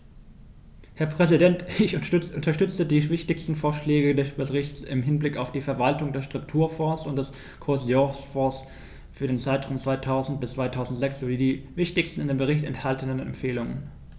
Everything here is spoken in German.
Herr Präsident, ich unterstütze die wichtigsten Vorschläge des Berichts im Hinblick auf die Verwaltung der Strukturfonds und des Kohäsionsfonds für den Zeitraum 2000-2006 sowie die wichtigsten in dem Bericht enthaltenen Empfehlungen.